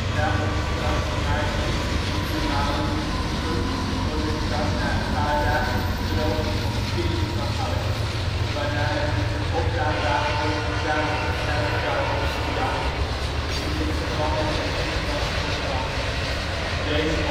Nadat het gras gemaaid is en enkele malen is geschud, wordt het gras na een paar dagen drogen op kinnen geharkt, waarna het met de opraapwagen wordt verzameld en naar de kuil wordt gebracht. In dit geval is er geen transportband (is